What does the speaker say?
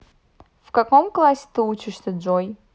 в каком классе ты учишься джой